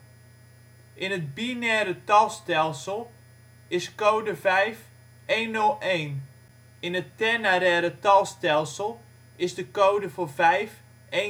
In het binaire talstelsel is code vijf 101 In het ternaraire talstelsel is code vijf 12